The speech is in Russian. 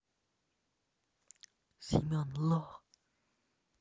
семен лох